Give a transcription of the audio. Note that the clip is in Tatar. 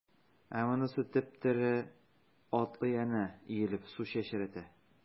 Ә монысы— теп-тере, атлый әнә, иелеп су чәчрәтә.